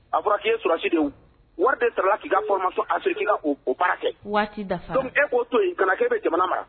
A fɔra k'i ye sulasi de wari de sarala k' fɔ ma sɔn ase baara kɛ'o to yen kana kɛ bɛ jamana ma